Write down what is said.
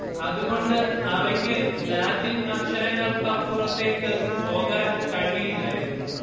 അതുകൊണ്ട് അവയ്ക്ക് ലാറ്റിൻ അക്ഷരങ്ങൾക്കപ്പുറത്തേയ്ക്ക് പോകാൻ കഴിയില്ലായിരുന്നു